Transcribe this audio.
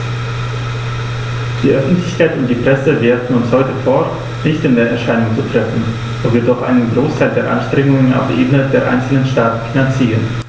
Die Öffentlichkeit und die Presse werfen uns heute vor, nicht in Erscheinung zu treten, wo wir doch einen Großteil der Anstrengungen auf Ebene der einzelnen Staaten finanzieren.